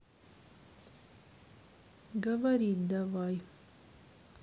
говорить давай